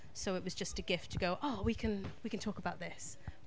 So, it was just a gift to go, oh, we can... we can talk about this.